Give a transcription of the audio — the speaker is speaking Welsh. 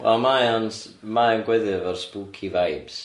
Wel mae o'n s- mae o'n gweddu efo'r spooky vibes.